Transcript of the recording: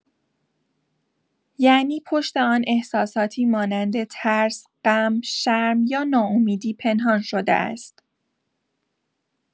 یعنی پشت آن احساساتی مانند ترس، غم، شرم یا ناامیدی پنهان شده است.